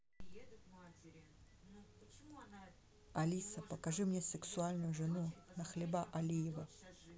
алиса покажи мне сексуальную жену на хлеба алиева